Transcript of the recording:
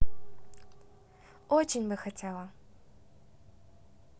очень бы хотела